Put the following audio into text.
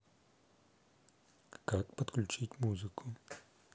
как подключить музыку